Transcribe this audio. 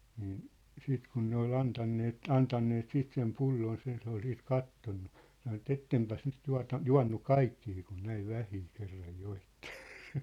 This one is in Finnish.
niin sitten kun ne oli antaneet antaneet sitten sen pulloonsa ja se oli siitä katsonut sanoi että että enpäs nyt tuota juonut kaikkea kun näin vähän kerran joitte